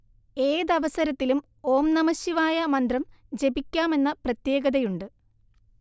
ഏതവസരത്തിലും ഓം നമഃശിവായ മന്ത്രം ജപിക്കാമെന്ന പ്രത്യേകതയുണ്ട്